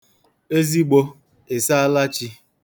Ezigbo, ịsaalachi.